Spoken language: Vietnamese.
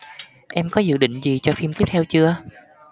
em có dự định gì cho phim tiếp theo chưa